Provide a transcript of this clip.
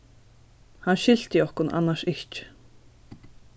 hann skilti okkum annars ikki